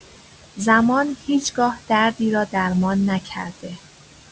زمان هیچ‌گاه دردی را درمان نکرده.